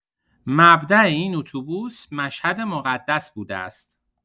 مبدا این اتوبوس مشهد مقدس بوده است.